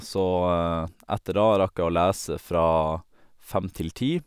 Så etter da rakk jeg å lese fra fem til ti.